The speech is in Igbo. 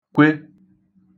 kwe